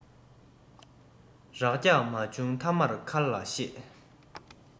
རགས རྒྱག མ བྱུང མཐའ མར མཁར ལ གཤེད